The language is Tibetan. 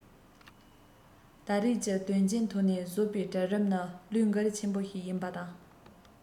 ད རེས ཀྱི དོན རྐྱེན ཐོག ནས བཟོ པའི གྲལ རིམ ནི བློས འགེལ ཆོག པ ཞིག ཡིན པ དང